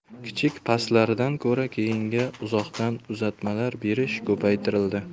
kichik paslardan ko'ra keynga uzoqdan uzatmalar berish ko'paytirildi